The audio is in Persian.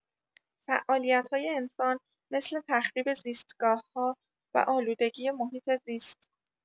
فعالیت‌های انسان مثل تخریب زیستگاه‌ها و آلودگی محیط‌زیست